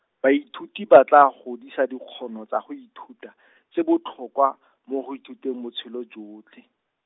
baithuti ba tla godisa dikgono tsa go ithuta , tse botlhokwa , mo go ithuteng botshelo jotlhe.